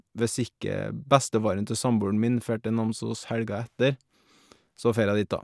Hvis ikke bestefaren til samboeren min fær til Namsos helga etter, så farer jeg dit da.